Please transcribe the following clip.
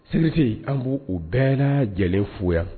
Selite an b' u bɛɛ lajɛlen fu yan